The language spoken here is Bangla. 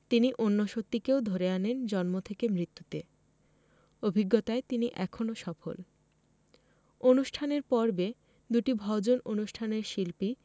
তিনি অন্য সত্যিকেও ধরে আনেন জন্ম থেকে মৃত্যুতে অভিজ্ঞতায় তিনি এখনও সফল অনুষ্ঠানের পর্বে দুটি ভজন অনুষ্ঠানের শিল্পী